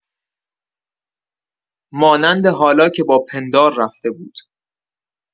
مانند حالا که با پندار رفته بود.